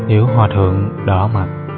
tiểu hòa thượng đỏ mặt